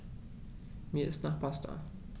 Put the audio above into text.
Mir ist nach Pasta.